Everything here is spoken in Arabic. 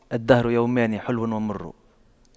الدهر يومان حلو ومر